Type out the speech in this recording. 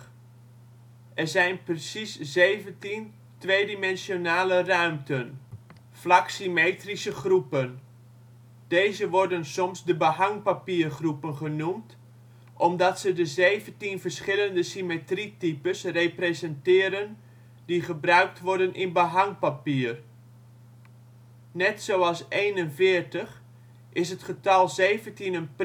Er zijn precies zeventien tweedimensionale ruimten, (vlaksymmetrische) groepen. Deze worden soms de behangpapiergroepen genoemd, omdat ze de zeventien verschillende symmetrietypes representeren die gebruikt worden in behangpapier. Net zoals 41, is het getal 17 een priemgetal